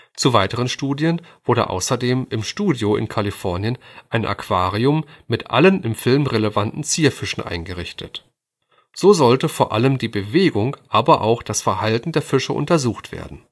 Zu weiteren Studien wurde außerdem im Studio in Kalifornien ein Aquarium mit allen im Film relevanten Zierfischen eingerichtet. So sollte vor allem die Bewegung, aber auch das Verhalten der Fische untersucht werden